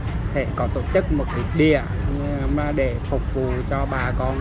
thể có tổ chức một thuộc địa để phục vụ cho bà con